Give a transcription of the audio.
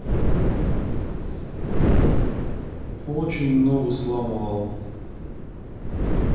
очень много сломал